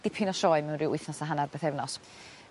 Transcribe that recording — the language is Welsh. dipyn o sioe mewn ryw wythnos a hannar pythefnos.